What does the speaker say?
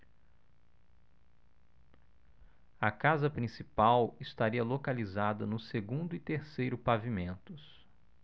a casa principal estaria localizada no segundo e terceiro pavimentos